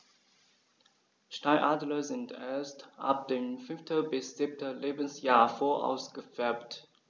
Steinadler sind erst ab dem 5. bis 7. Lebensjahr voll ausgefärbt.